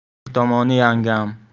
bir tomoni yangam